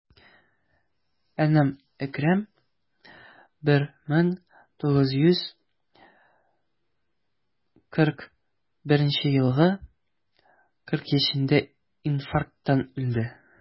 Энем Әкрам, 1941 елгы, 40 яшендә инфаркттан үлде.